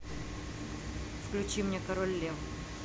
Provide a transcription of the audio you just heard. включи мне король лев